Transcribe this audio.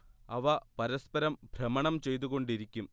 അവ പരസ്പരം ഭ്രമണം ചെയ്തുകൊണ്ടിരിക്കും